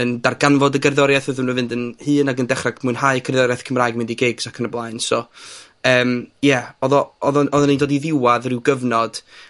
yn darganfod y gerddoriath wrth iddyn nw fynd yn hŷn ac yn dechra' c- mwynhau cerddoriaeth Cymraeg. mynd i gigs ac yn y blaen. So, yym, ie, odd o, odd o'n odden ni'n dod i ddiwadd ryw gyfnod